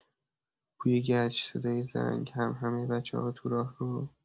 بوی گچ، صدای زنگ، همهمه بچه‌ها تو راهرو.